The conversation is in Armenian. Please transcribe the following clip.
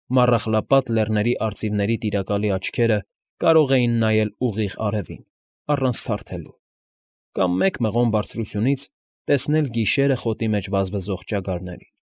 Մառախլապատ Լեռների արծիվների Տիրակալի աչքերը կարող էին նայել ուղիղ արևին, առանց թարթելու, կամ մեկ մղոն բարձրությունից տեսնել գիշերը խոտի մեջ վազվզող ճագարներին։